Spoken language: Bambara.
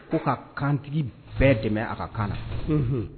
Ko ka kantigi bɛɛ dɛmɛ a ka kan na